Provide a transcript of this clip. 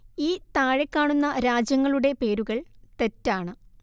ഈ താഴെ കാണുന്ന രാജ്യങ്ങളുടെ പേരുകൾ തെറ്റാണ്